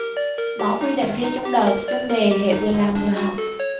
bỏ quy định thi chung đợt chung đề hệ vừa làm vừa học